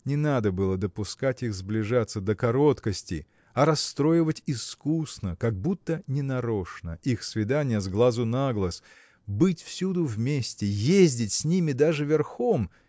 Не надо было допускать их сближаться до короткости а расстроивать искусно как будто ненарочно их свидания с глазу на глаз быть всюду вместе ездить с ними даже верхом